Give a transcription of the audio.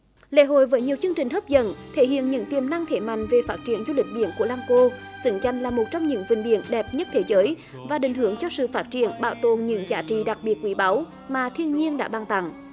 lễ hội với nhiều chương trình hấp dẫn thể hiện những tiềm năng thế mạnh về phát triển du lịch biển của lam cô xứng danh là một trong những vịnh biển đẹp nhất thế giới và định hướng cho sự phát triển bảo tồn những giá trị đặc biệt quý báu mà thiên nhiên đã ban tặng